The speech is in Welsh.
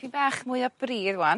Dipyn bach mwy o bridd ŵan,